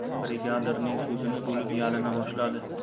brigadirning so'zini bo'lib yalina boshladi